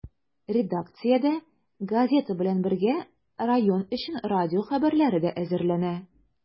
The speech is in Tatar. Редакциядә, газета белән бергә, район өчен радио хәбәрләре дә әзерләнә.